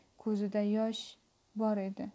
ko'zida yosh bor edi